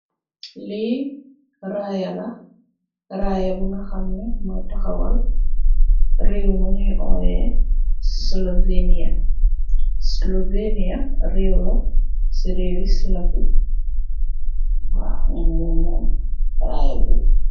Lii rayaa la, rayaa bu nga xam ne mo taxawal rew mu ñuy owe Sylvania, Sylvania rew la si rewi. Ñoo mom, rayaa bi.